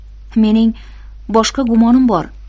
mening boshqa gumonim bor